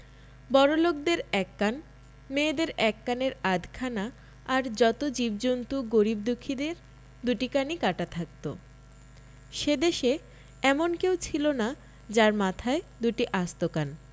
বড়োলোকদের এক কান মেয়েদের এক কানের আধখানা আর যত জীবজন্তু গরিব দুঃখীদের দুটি কানই কাটা থাকত সে দেশে এমন কেউ ছিল না যার মাথায় দুটি আস্ত কান